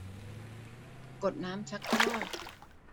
กดน้ำชักโครก